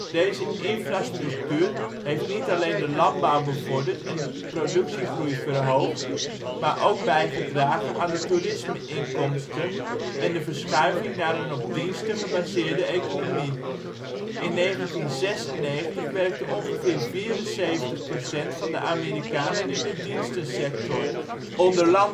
Deze infrastructuur heeft niet alleen de landbouw bevorderd en productiegroei verhoogd. maar ook bijgedragen aan de toerismeinkomsten en de verschuiving naar een op diensten gebaseerde economie. In 1996 werkte ongeveer 74 % van Amerikanen in de dienstensector. Onder